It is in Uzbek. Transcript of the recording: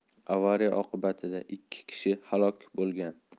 avariya oqibatida ikki kishi halok bo'lgan